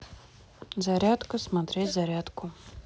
зарядка смотреть зарядку